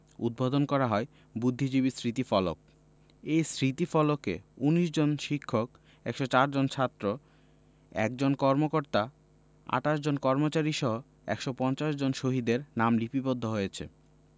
উদ্বোধন করা হয় বুদ্ধিজীবী স্মৃতিফলক এই স্মৃতিফলকে ১৯ জন শিক্ষক ১০৪ জন ছাত্র ১ জন কর্মকর্তা ২৮ জন কর্মচারীসহ ১৫০ জন শহীদের নাম লিপিবদ্ধ হয়েছে